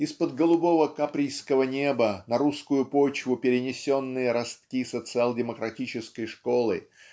Из-под голубого каприйского неба на русскую почву перенесенные ростки социал-демократической школы